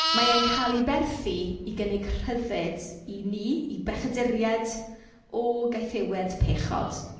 Mae e'n cael ei aberthu i gynnig rhyddid i ni, i bechaduriaid, o gaethiwed pechod.